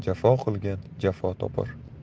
jafo qilgan jafo topar